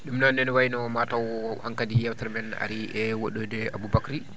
ɗum noon ene wayi no mataw hankadi yewtere men arii e woɗɗoyde Aboubacry